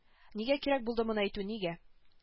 Нигә кирәк булды моны әйтү нигә